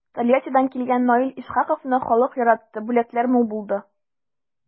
Тольяттидан килгән Наил Исхаковны халык яратты, бүләкләр мул булды.